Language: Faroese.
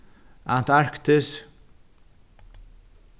antarktis